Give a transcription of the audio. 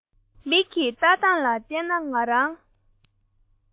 མིག གིས ལྟ སྟངས ལ བལྟས ན ང རང